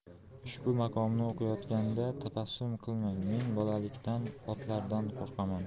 ushbu maqomni o'qiyotganda tabassum qilmang men bolalikdan otlardan qo'rqaman